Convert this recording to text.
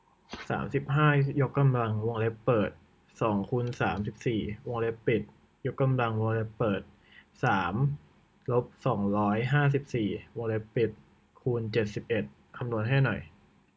สามสิบห้ายกกำลังวงเล็บเปิดสองคูณสามสิบสี่วงเล็บปิดยกกำลังวงเล็บเปิดสามลบสองร้อยห้าสิบสี่วงเล็บปิดคูณเจ็ดสิบเอ็ดคำนวณให้หน่อย